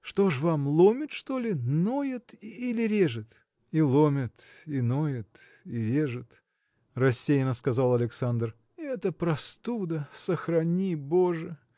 Что ж вам, ломит, что ли, ноет или режет? – И ломит, и ноет, и режет! – рассеянно сказал Александр. – Это простуда; сохрани боже!